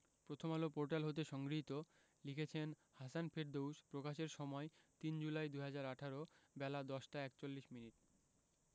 Prothom Alo portal হতে সংগৃহীত লিখেছেন হাসান ফেরদৌস প্রকাশের সময় ৩ জুলাই ২০১৮ বেলা ১০টা ৪১মিনিট